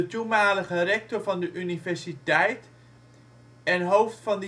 toenmalige rector van de universiteit en hoofd van